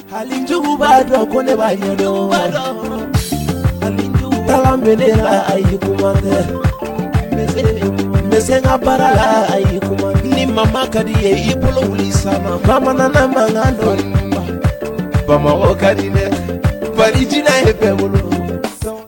Alijugu bbaa dɔn ko ne'bajugub a yekuma bɛka barala a yekuma mamakaridi ye ye bolo sama bamanan ma dɔnkili ɲuman bamakɔ ka diinɛ ba jinɛina ye bɛ bolo